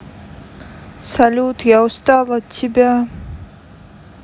салют я устал от тебя